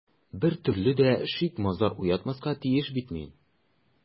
Бер төрле дә шик-мазар уятмаска тиеш бит мин...